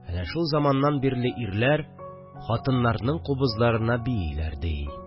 Әнә шул заманнан бирле ирләр хатыннарның кубызларына бииләр ди